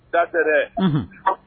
Taatɛ